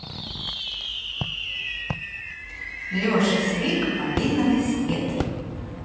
леша свик малиновый свет